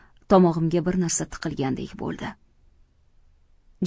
tomog'imga bir narsa tiqilgandek bo'ldi